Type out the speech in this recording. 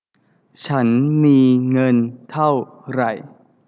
ฉันมีเงินเท่าไร